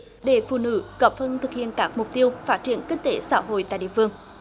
để phụ nữ cập hưng thực hiện các mục tiêu phát triển kinh tế xã hội tại địa phương